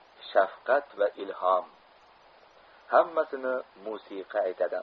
shafqat va ilhom hammasini musiqa aytadi